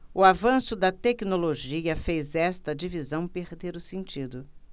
o avanço da tecnologia fez esta divisão perder o sentido